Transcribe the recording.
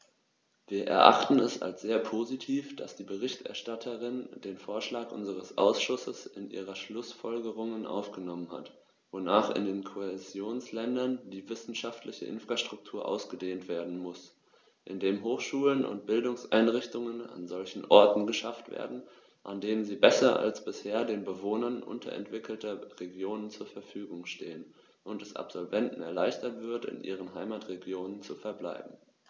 Wir erachten es als sehr positiv, dass die Berichterstatterin den Vorschlag unseres Ausschusses in ihre Schlußfolgerungen aufgenommen hat, wonach in den Kohäsionsländern die wissenschaftliche Infrastruktur ausgedehnt werden muss, indem Hochschulen und Bildungseinrichtungen an solchen Orten geschaffen werden, an denen sie besser als bisher den Bewohnern unterentwickelter Regionen zur Verfügung stehen, und es Absolventen erleichtert wird, in ihren Heimatregionen zu verbleiben.